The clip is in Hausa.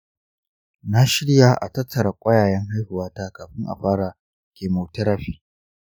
na shirya a tattara ƙwayayen haihuwata kafin a fara chemotherapy.